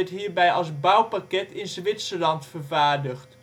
hierbij als bouwpakket in Zwitserland vervaardigd